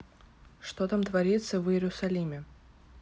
что там творится в иерусалиме